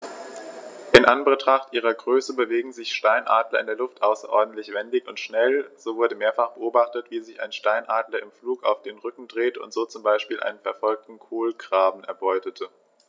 In Anbetracht ihrer Größe bewegen sich Steinadler in der Luft außerordentlich wendig und schnell, so wurde mehrfach beobachtet, wie sich ein Steinadler im Flug auf den Rücken drehte und so zum Beispiel einen verfolgenden Kolkraben erbeutete.